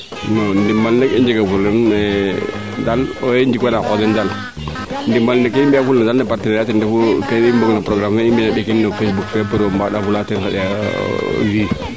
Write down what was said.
ndimal ne i njega fuli ran mais daal owey njikwana qoox den daal ndimal ne kee i mbiya ful na daal ten ref partenaire ke ndefu ke nu mbog na programme fe i mbina ɓekin no facebook fee pour mbaanda fulaa teen xaƴa vu